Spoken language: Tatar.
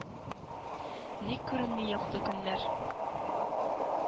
Ник күренми якты көннәр?